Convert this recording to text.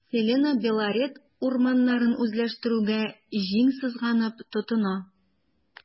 “селена” белорет урманнарын үзләштерүгә җиң сызганып тотына.